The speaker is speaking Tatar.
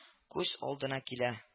Күз алдына килә